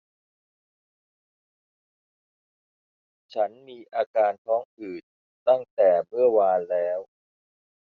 ฉันมีอาการท้องอืดตั้งแต่เมื่อวานแล้ว